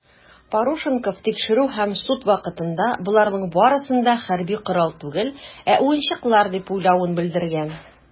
Парушенков тикшерү һәм суд вакытында, боларның барысын да хәрби корал түгел, ә уенчыклар дип уйлавын белдергән.